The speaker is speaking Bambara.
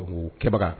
Oo kɛbaga